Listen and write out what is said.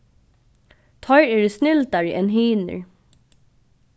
teir eru snildari enn hinir